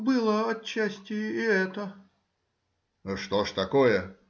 — Было отчасти и это. — Что же такое?